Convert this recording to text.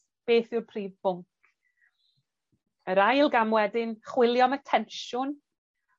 beth yw'r prif bwnc. Yr ail gam wedyn, chwilio am y tensiwn.